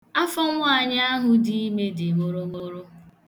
Afọ nwanyị ahụ di ime dị mụrụmụrụ.